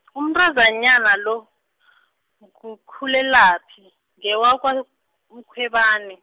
umntazanyana lo , nguKhulelaphi ngewakwaMkhwebani.